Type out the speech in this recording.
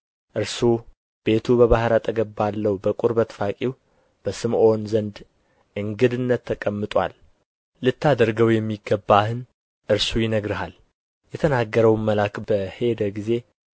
እርሱ ቤቱ በባሕር አጠገብ ባለው በቍርበት ፋቂው በስምዖን ዘንድ እንግድነት ተቀምጦአል ልታደርገው የሚገባህን እርሱ ይነግርሃል የተናገረውም መልአክ በሄደ ጊዜ